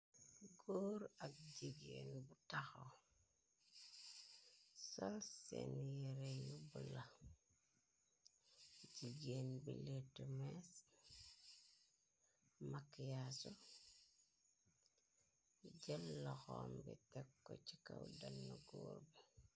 Góor ak jigeen bu taxaw sol seen yere bu bila jigeen bi leete mees mak yaasu jël laxom bi tek ko ci kaw góor bi.